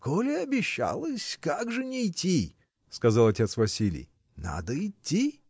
— Коли обещалась, как же нейти? — сказал отец Василий. — Надо идти!